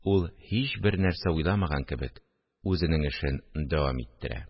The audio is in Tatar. Ул, һичбер нәрсә уйламаган кебек, үзенең эшен дәвам иттерә